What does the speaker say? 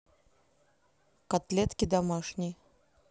котлетки домашние